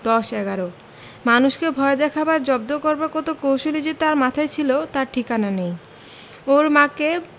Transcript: দশ এগারো মানুষকে ভয় দেখাবার জব্দ করবার কত কৌশলই যে তার মাথায় ছিল তার ঠিকানা নেই ওর মাকে